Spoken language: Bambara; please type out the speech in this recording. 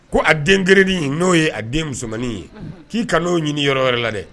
Ko a den kelenin n'o y' a den musomanin ye, k'i ka n'o ɲini yɔrɔ wɛrɛ la dɛ